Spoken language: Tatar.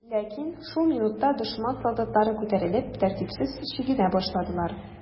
Ләкин шул минутта дошман солдатлары күтәрелеп, тәртипсез чигенә башладылар.